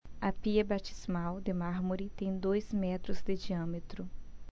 a pia batismal de mármore tem dois metros de diâmetro